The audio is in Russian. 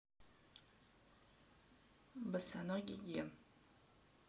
босоногий ген